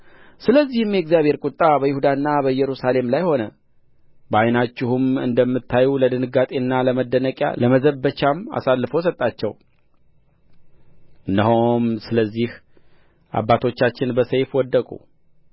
ስለዚህም የእግዚአብሔር ቍጣ በይሁዳና በኢየሩሳሌም ላይ ሆነ በዓይናችሁም እንደምታዩ ለድንጋጤና ለመደነቂያ ለመዘበቻም አሳልፎ ሰጣቸው እነሆም ስለዚህ አባቶቻችን በሰይፍ ወደቁ